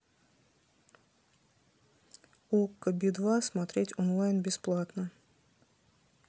окко би два смотреть онлайн бесплатно